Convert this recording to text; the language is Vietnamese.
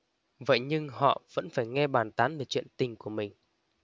vậy nhưng họ vẫn phải nghe bàn tán về chuyện tình của mình